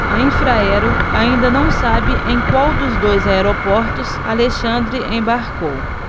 a infraero ainda não sabe em qual dos dois aeroportos alexandre embarcou